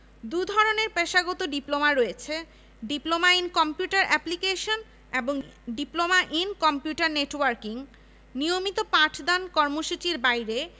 এছাড়া শিক্ষার্থীরা প্রাকৃতিক দূর্যোগের সময় বিভিন্ন মানবিক কার্যক্রমে নিয়মিত অংশগ্রহণ করে এছাড়া সাবিপ্রবি নানা ধরনের খেলাধুলা